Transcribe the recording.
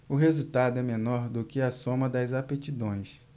o resultado é menor do que a soma das aptidões